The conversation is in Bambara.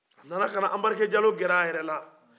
a nana ka anbarike jalo gɛrɛ a yɛrɛ la